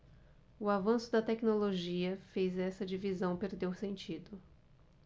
o avanço da tecnologia fez esta divisão perder o sentido